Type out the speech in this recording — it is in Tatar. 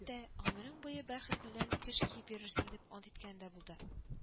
Гомерең буе бәрхет белән кеш киеп йөрерсең дип ант иткәне дә булды